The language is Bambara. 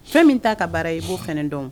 Fɛn min ta ka baara i b'o fana dɔn